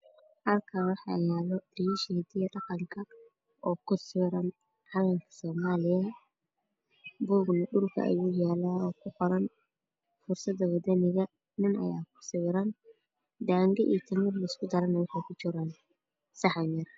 Halkaan waxa yaalo dhiiso hiddaha iyo dhaqanka oo kor saaran calanka soomaaliya buugna dhulka ayuu yaalaa waxa ku qoran furshada waddanida nin ayaa ku sawiran, daando iyo timirna isku darayna waxay ku jiraan saxan yar.